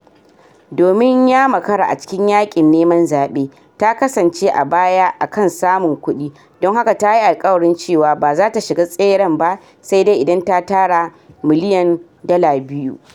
Domin ya makara a cikin yaƙin neman zaɓe, ta kasance a baya a kan samun kuɗi, don haka ta yi alƙawarin cewa ba za ta shiga tseren ba sai dai idan ta tara miliyan $2.